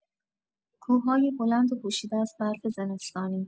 کوه‌های بلند و پوشیده از برف زمستانی